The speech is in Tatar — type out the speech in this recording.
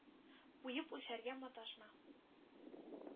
Куеп үлчәргә маташма,